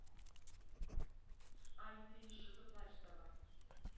ой ты еще заплачь давай